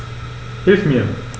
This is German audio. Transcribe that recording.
Hilf mir!